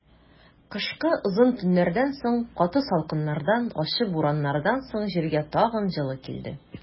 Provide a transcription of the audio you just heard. Кышкы озын төннәрдән соң, каты салкыннардан, ачы бураннардан соң җиргә тагын җылы килде.